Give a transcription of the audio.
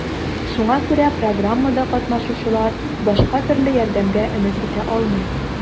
Шуңа күрә программада катнашучылар башка төрле ярдәмгә өмет итә алмый.